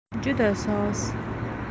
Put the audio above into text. juda soz